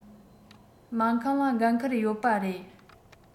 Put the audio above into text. སྨན ཁང ལ འགན ཁུར ཡོད པ རེད